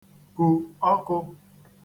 kù ọkụ̄